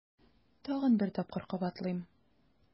Тагын бер тапкыр кабатлыйм: